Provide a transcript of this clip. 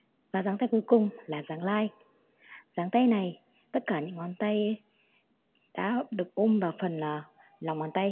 và dáng tay cuối cùng là dáng like dáng tay này tất cả những ngón tay đã được ôm vào phần lòng bàn tay